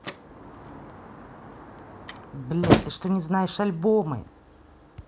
блядь ты что не знаешь альбомы